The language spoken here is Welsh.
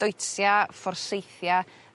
deutzia fforseithia